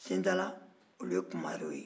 sentala olu ye kumarew ye